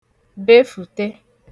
befụ̀te